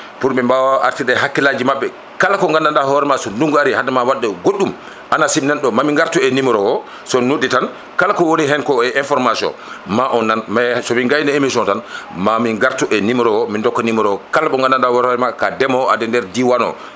pour ɓe mbawa artirde hakkillaji mabɓe kala ko gandanɗa hoorema so ndungu ari hadema wadde goɗɗum ANACIM nanɗo mami gartu e numéro o soon noddi tan kala ko woni hen ko information ma on naan mais somin gayni émission o tan mamin gartu numéro o min dokka numéro o kala mo gandanɗa hoorema ka ndeemowo aɗa e nder diwan o